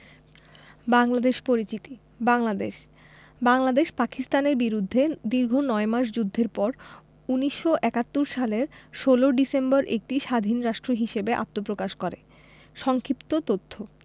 বাংলাদেশ পরিচিতি বাংলাদেশ বাংলাদেশ পাকিস্তানের বিরুদ্ধে দীর্ঘ নয় মাস যুদ্ধের পর ১৯৭১ সালের ১৬ ডিসেম্বর একটি স্বাধীন রাষ্ট্র হিসেবে আত্মপ্রকাশ করে সংক্ষিপ্ত তথ্য